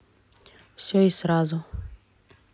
все и сразу